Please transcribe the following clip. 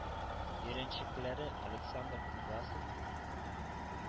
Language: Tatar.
Өйрәнчекләре александр кубасов